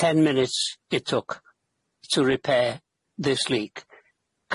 ten minutes it took to repair this leak.